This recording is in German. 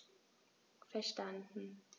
Verstanden.